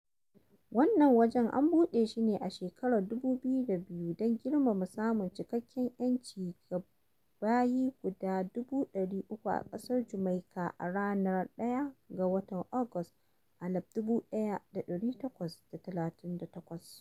Wannan waje an buɗe shi ne a shekarar 2002 don girmama samun "cikakken 'yanci" ga bayi guda 300,000 a ƙasar Jamaika a ranar I ga watan Agusta, 1838.